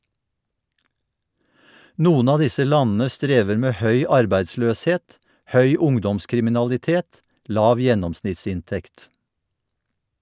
Noen av disse landene strever med høy arbeidsløshet, høy ungdomskriminalitet, lav gjennomsnittsinntekt.